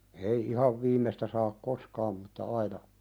ei ihan viimeistä saa koskaan mutta aina